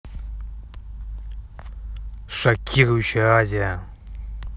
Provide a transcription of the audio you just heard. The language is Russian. шокирующая азия